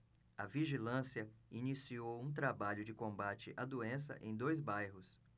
a vigilância iniciou um trabalho de combate à doença em dois bairros